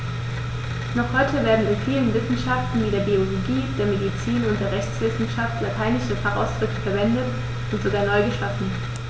Noch heute werden in vielen Wissenschaften wie der Biologie, der Medizin und der Rechtswissenschaft lateinische Fachausdrücke verwendet und sogar neu geschaffen.